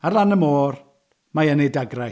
Ar lan y môr mae hi yn ei dagrau.